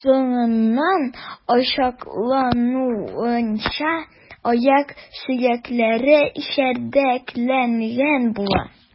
Соңыннан ачыклануынча, аяк сөякләре чәрдәкләнгән була.